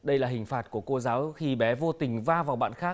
đây là hình phạt của cô giáo khi bé vô tình va vào bạn khác